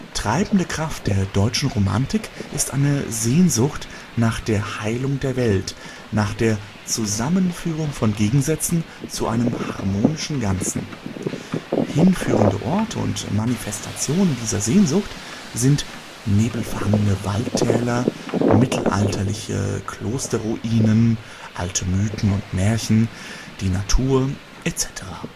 Treibende Kraft der deutschen Romantik ist eine Sehnsucht nach der Heilung der Welt, nach der Zusammenführung von Gegensätzen zu einem harmonischen Ganzen. Hinführende Orte und Manifestationen dieser Sehnsucht sind nebelverhangene Waldtäler, mittelalterliche Kloster-Ruinen, alte Mythen und Märchen, die Natur etc.